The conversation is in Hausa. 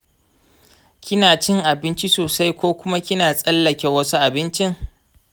kina cin abinci sosai ko kuma kina tsallake wasu abincin?